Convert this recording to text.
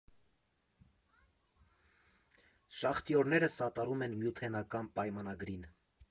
Շախտյորները սատարում են Միութենական պայմանագրին։